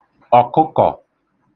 ọ̀kụkọ̀